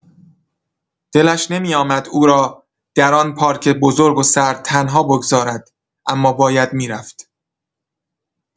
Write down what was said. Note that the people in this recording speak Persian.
دلش نمی‌آمد او را در آن پارک بزرگ و سرد تنها بگذارد، اما باید می‌رفت.